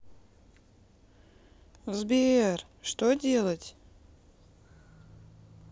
сбер что делать